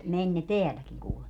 meni ne täälläkin kuulemma